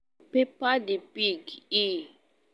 “”Peppa the Pig,” ee.”